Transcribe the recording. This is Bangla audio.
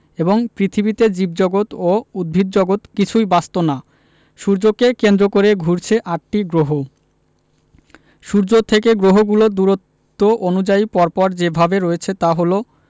এবং পৃথিবীতে জীবজগত ও উদ্ভিদজগৎ কিছুই বাঁচত না সূর্যকে কেন্দ্র করে ঘুরছে আটটি গ্রহ সূর্য থেকে গ্রহগুলো দূরত্ব অনুযায়ী পর পর যেভাবে রয়েছে তা হলো